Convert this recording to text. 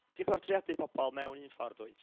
ti'n portreadu pobl mewn un ffordd dwyt.